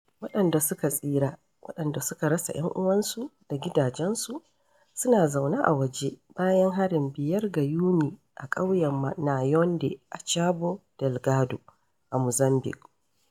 Waɗanda suka tsira waɗanda suka rasa 'yan'uwansu da gidajensu suna zaune a waje bayan harin 5 ga Yuni a ƙauyen Naunde a Cabo Delgado, a Mozambiƙue.